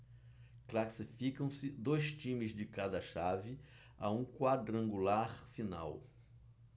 classificam-se dois times de cada chave a um quadrangular final